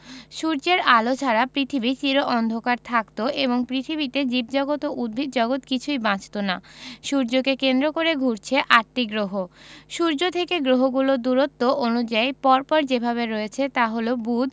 সূর্যের আলো ছাড়া পৃথিবী চির অন্ধকার থাকত এবং পৃথিবীতে জীবজগত ও উদ্ভিদজগৎ কিছুই বাঁচত না সূর্যকে কেন্দ্র করে ঘুরছে আটটি গ্রহ সূর্য থেকে গ্রহগুলো দূরত্ব অনুযায়ী পর পর যেভাবে রয়েছে তা হলো বুধ